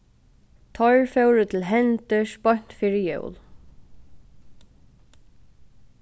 teir fóru til hendurs beint fyri jól